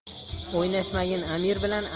o'ynashmagin amir bilan